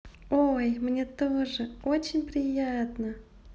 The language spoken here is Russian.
ой мне тоже очень приятно